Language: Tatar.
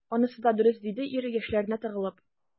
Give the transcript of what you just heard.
Анысы да дөрес,— диде ир, яшьләренә тыгылып.